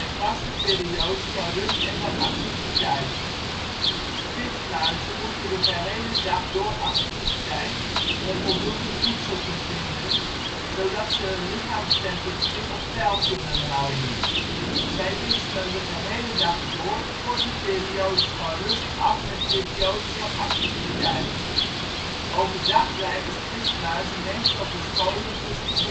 vaste perioden van rust en van activiteit. Spitsmuizen moeten de gehele dag door actief zijn om voldoende voedsel te vinden, zodat ze hun lichaamstemperatuur op peil kunnen houden. Zij wisselen de gehele dag door korte periodes van rust af met periodes van activiteit. Overdag blijven spitsmuizen meestal verscholen tussen